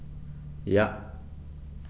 Ja.